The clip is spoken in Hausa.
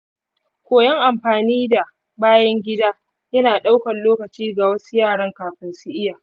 koyon amfani da bayan gida yana daukan lokaci ga wasu yaran kafun su iya.